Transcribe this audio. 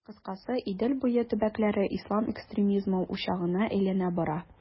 Кыскасы, Идел буе төбәкләре ислам экстремизмы учагына әйләнә бара.